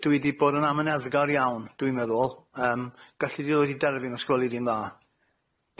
D- dwi 'di bod yn amyneddgar iawn dwi'n meddwl yym galli di ddod i derfyn os gweli di'n dda.